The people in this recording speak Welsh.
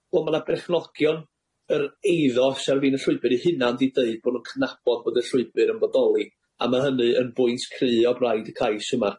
wel ma' 'na berchnogion yr eiddo sy ar fin y llwybyr 'u hunan 'di deud bo' nw'n cy'nabod bod y llwybyr yn bodoli, a ma' hynny yn bwynt cry' o blaid y cais yma.